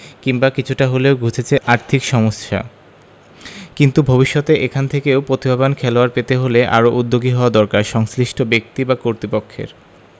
কিংবা কিছুটা হলেও ঘুচেছে আর্থিক সমস্যা কিন্তু ভবিষ্যতে এখান থেকে আরও প্রতিভাবান খেলোয়াড় পেতে হলে আরও উদ্যোগী হওয়া দরকার সংশ্লিষ্ট ব্যক্তি বা কর্তৃপক্ষের